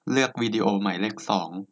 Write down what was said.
เลือกวิดีโอหมายเลขสอง